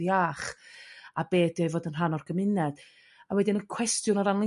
iach a be 'di o i fod yn rhan o'r gymuned a wedyn cwestiwn o ran